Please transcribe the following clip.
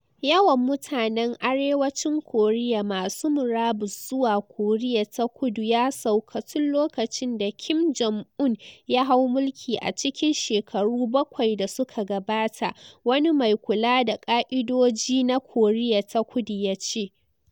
Yawan mutanen Arewacin Koriya masu murabus zuwa Korea ta Kudu ya sauka tun lokacin da Kim Jong-un ya hau mulki a cikin shekaru bakwai da suka gabata, wani mai kula da ka'idoji na Koriya ta kudu ya ce.